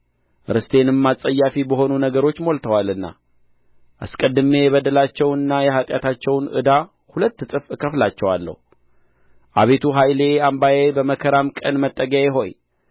ርስቴንም አስጸያፊ በሆኑ ነገሮች ሞልተዋልና አስቀድሜ የበደላቸውንና የኃጢአታቸውን ዕዳ ሁለት እጥፍ እከፍላቸዋለሁ አቤቱ ኃይሌ አምባዬ በመከራም ቀን መጠጊያዬ ሆይ